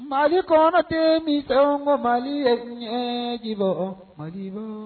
Mali kɔnɔ den mali ye diɲɛ dibɔ mali